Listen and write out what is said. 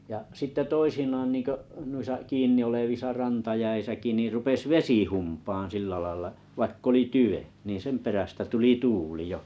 ja sitten toisinaan niin kuin noissa kiinni olevissa rantajäissäkin niin rupesi vesi humpaamaan sillä lailla vaikka oli tyven niin sen perästä tuli tuuli jo